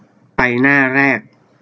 ไปหน้าแรก